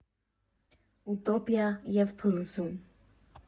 «ՈՒՏՈՊԻԱ ԵՒ ՓԼՈՒԶՈՒՄ.